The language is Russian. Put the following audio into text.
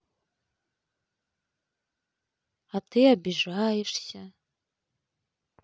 а ты обижаешься